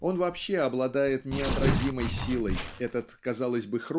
Он вообще обладает неотразимой силой этот казалось бы